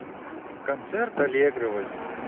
концерт аллегровой